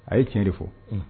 A ye tiɲɛ de fɔ